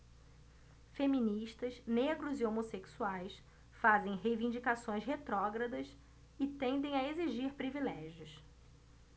feministas negros e homossexuais fazem reivindicações retrógradas e tendem a exigir privilégios